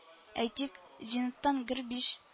Әйтик, Зениттан Грбич